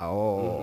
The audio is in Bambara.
Ɔ